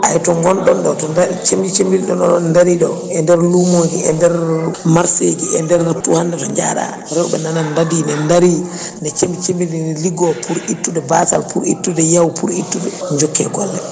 ay to gonɗon ɗo to daari cibi cimilɗon oɗon daari ɗo e nder luumoji e nder marché ji e nder to hande to jaaɗa rewɓe nana daadi ne daari ne cimbi cimbina ne liggo pour ittude basal pour ittude yawu pour ittude jokke golle